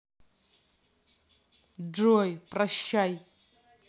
джой прощай